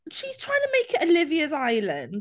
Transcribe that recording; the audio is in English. She's trying to make it Olivia's Island.